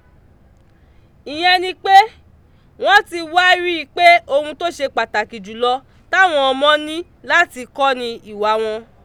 Ìyẹn ni pé wọ́n ti wá rí i pé ohun tó ṣe pàtàkì jù lọ táwọn ọmọ ní láti kọ́ ni ìwà wọn.